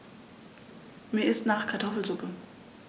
Mir ist nach Kartoffelsuppe.